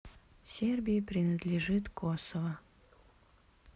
сербии принадлежит косово